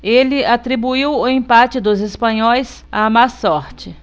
ele atribuiu o empate dos espanhóis à má sorte